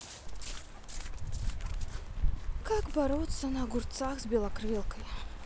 как бороться на огурцах с белокрылкой